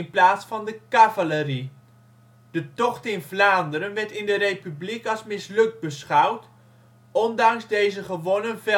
plaats van de cavalerie. De tocht in Vlaanderen werd in de Republiek als mislukt beschouwd, ondanks deze gewonnen veldslag